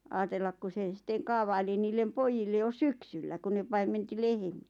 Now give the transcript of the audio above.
ajatella kun se sitten kaavaili niille pojille jo syksyllä kun ne paimensi lehmiä